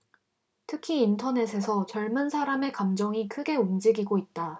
특히 인터넷에서 젊은 사람의 감정이 크게 움직이고 있다